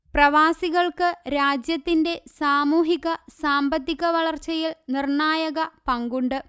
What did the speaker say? പ്രവാസികൾക്ക് രാജ്യത്തിന്റെ സാമുഹിക സാമ്പത്തിക വളർച്ചയിൽ നിർണായക പങ്കുണ്ട്